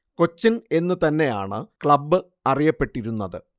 കൊച്ചിൻ എന്നു തന്നെയാണ് ക്ലബ് അറിയപ്പെട്ടിരുന്നത്